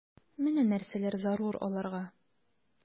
Менә нәрсәләр зарур аларга...